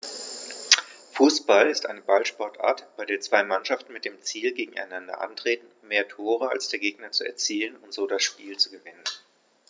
Fußball ist eine Ballsportart, bei der zwei Mannschaften mit dem Ziel gegeneinander antreten, mehr Tore als der Gegner zu erzielen und so das Spiel zu gewinnen.